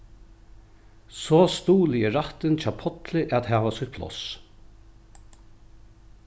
so stuðli eg rættin hjá pálli at hava sítt pláss